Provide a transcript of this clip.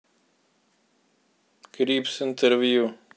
крипс интервью